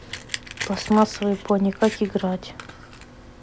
пластмассовые пони как играть